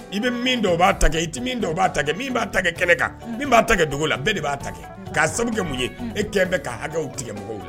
I bɛ min dɔw b'a ta i tɛ min dɔw b'a kɛ min b'a ta kɛ kɛlɛ kan min b'a ta kɛ dugu la bɛɛ de b'a ta' sababu mun ye e kɛ bɛ ka hakɛ tigɛ mɔgɔw la